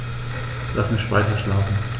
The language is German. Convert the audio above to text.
Lass mich weiterschlafen.